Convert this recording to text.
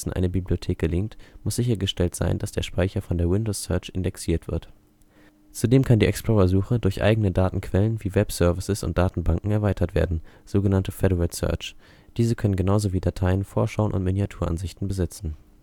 eine Bibliothek gelingt, muss sichergestellt sein, dass der Speicher von der Windows Search indexiert wird. Zudem kann die Explorer-Suche durch eigene Datenquellen, wie Webservices und Datenbanken, erweitert werden (sogenannte federated search). Diese können genauso wie Dateien Vorschauen und Miniaturansichten besitzen